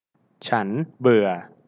ฉันเบื่อ